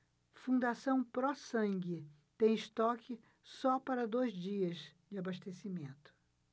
fundação pró sangue tem estoque só para dois dias de abastecimento